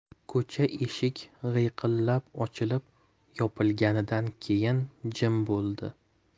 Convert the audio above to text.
ko'cha eshik g'iyqillab ochilib yopilganidan keyin jim buldi